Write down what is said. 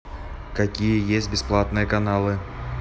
какие есть бесплатные каналы